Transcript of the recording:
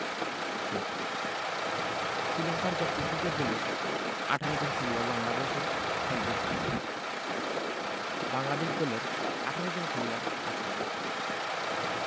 ৩ শ্রীলংকার জাতীয় ক্রিকেট দলের ১৮ জন খেলোয়াড় বাংলাদেশে খেলতে এসেছে বাংলাদেশ দলের ১৮ জন খেলোয়াড় আছেন